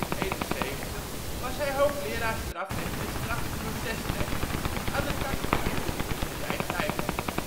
1968 tot 1971 was hij hoogleraar strafrecht en strafprocesrecht aan de Katholieke Universiteit Nijmegen